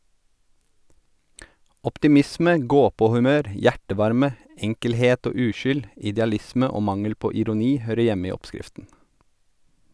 Optimisme, gåpåhumør, hjertevarme , enkelhet og uskyld , idealisme og mangel på ironi, hører hjemme i oppskriften.